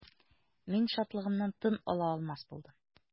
Мин шатлыгымнан тын ала алмас булдым.